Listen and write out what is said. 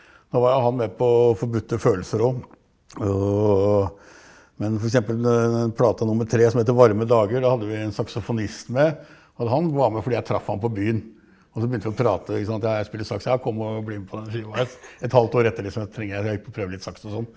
nå var jo han med på Forbudte følelser òg og men f.eks. plate nummer tre som heter Varme Dager da hadde vi en saksofonist med, og han var med fordi jeg traff han på byen og så begynte vi å prate ikke sant ja jeg spiller saksofon, kom og bli med på den skiva et halvt år etter liksom trenger jeg deg å prøve litt saksofon og sånn.